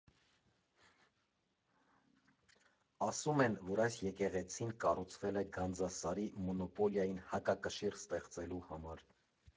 Ասում են, որ այս եկեղեցին կառուցվել է Գանձասարի մոնոպոլիային հակակշիռ ստեղծելու համար։